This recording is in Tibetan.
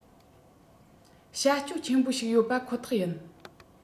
བྱ སྤྱོད ཆེན པོ ཞིག ཡོད པ ཁོ ཐག ཡིན